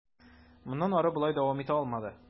Моннан ары болай дәвам итә алмады.